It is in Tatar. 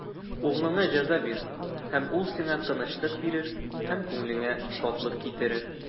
Углыңа җәза бир, һәм ул сиңа тынычлык бирер, һәм күңелеңә шатлык китерер.